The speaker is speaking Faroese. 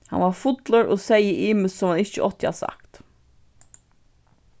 hann var fullur og segði ymiskt sum hann ikki átti at sagt